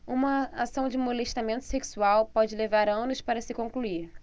uma ação de molestamento sexual pode levar anos para se concluir